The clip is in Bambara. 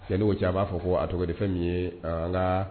Yani o cɛ a b'a fɔ a tɔgɔ di fɛn min ye an ka